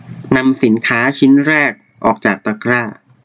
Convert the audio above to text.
นำสินค้าชิ้นแรกออกจากตะกร้า